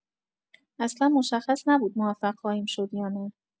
اصلا مشخص نبود موفق خواهیم شد یا نه.